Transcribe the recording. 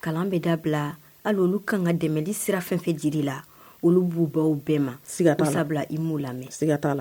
Kalan bɛ dabila hali olu kan ka dɛmɛdi sira fɛnfɛ jiri la olu b'u baw bɛɛ ma siga i m'o lamɛn sigata la